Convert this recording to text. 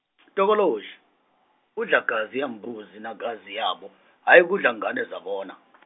Tokoloshi, udla gazi yambuzi nagazi yabo, hhayi kudla ngane zabona .